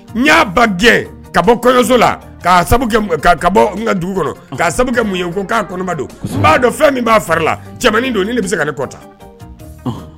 N y'a ba gɛn ka bɔ kɔɲɔso la ka bɔ dugu kɔnɔ ka kɛ mun ye k'ama b'a dɔn fɛn min b'a fari la don bɛ se ka ne kɔta